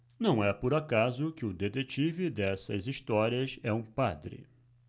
não é por acaso que o detetive dessas histórias é um padre